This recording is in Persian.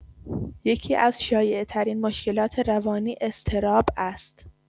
یکی‌از شایع‌ترین مشکلات روانی اضطراب است.